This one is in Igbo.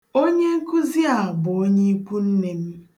Onyenkụzi a bụ onye ikwunne m